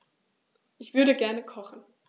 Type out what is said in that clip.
Ich würde gerne kochen.